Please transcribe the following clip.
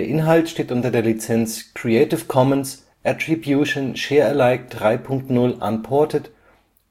Inhalt steht unter der Lizenz Creative Commons Attribution Share Alike 3 Punkt 0 Unported